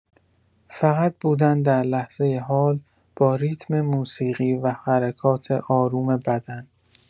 فقط بودن در لحظه حال، با ریتم موسیقی و حرکات آروم بدن.